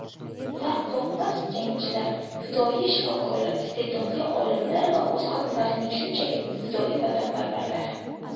ular qo'rqmas jangchilar fidoyi shifokorlar iste'dodli olimlar va o'z xalqlarining shunchaki fidoyi vatanparvarlari